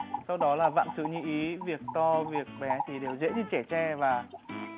sau đó là vạn sự như ý việc to việc bé thì đều dễ như chẻ tre và